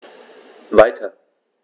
Weiter.